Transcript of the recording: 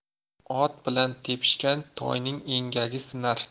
ot bilan tepishgan toyning engagi sinar